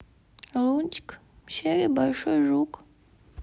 лунтик серия большой жук